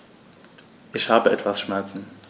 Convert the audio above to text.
Ich habe etwas Schmerzen.